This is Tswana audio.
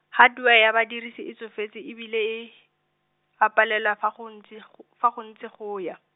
hardware ya badirisi e tsofetse e bile e, fa palela fa go ntse g-, fa go ntse go ya.